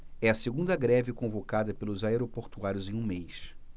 é a segunda greve convocada pelos aeroportuários em um mês